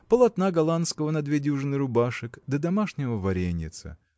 – полотна голландского на две дюжины рубашек да домашнего вареньица.